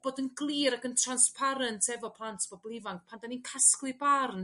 bod yn glir ac yn transparent efo plant bobol ifanc pan 'da ni'n casglu barn